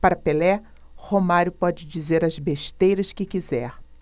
para pelé romário pode dizer as besteiras que quiser